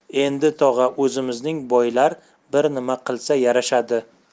endi tog'a o'zimizning boylar bir nima qilsa yarashadi